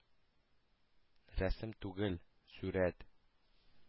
— рәсем түгел. сурәт.